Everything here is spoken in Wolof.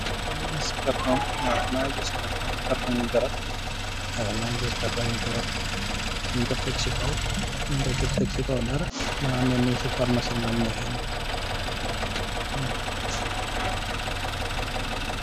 Magi ngi gis karton, kartungi garap , ñiñ ko tek ci kaw dara, da melni ci faramaci lam nekka ni.